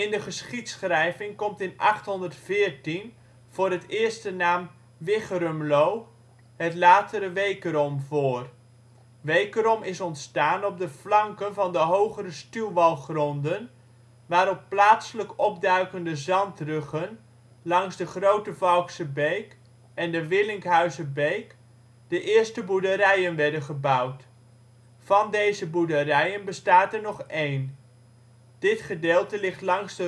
de geschiedschrijving komt in 814 voor het eerst de naam Wicherumloo, het latere Wekerom, voor. Wekerom is ontstaan op de flanken van de hogere stuwwalgronden, waar op plaatselijk opduikende zandruggen langs de Grote Valkse beek en de Willinkhuizerbeek de eerste boerderijen werden gebouwd. Van deze boerderijen bestaat er nog één. Dit gedeelte ligt langs